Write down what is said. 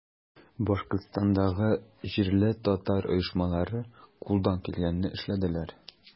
Башкортстандагы җирле татар оешмалары кулдан килгәнне эшләделәр.